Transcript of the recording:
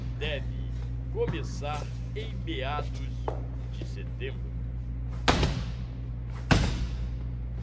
deve começar em meados de setembro